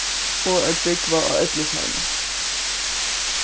og at búgva á ellisheimi